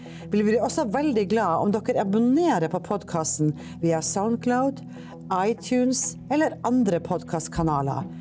vi blir også veldig glad om dere abonnerer på podkasten via Soundcloud iTunes eller andre podkastkanaler.